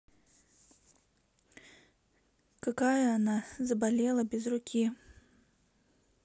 какая она заболела без руки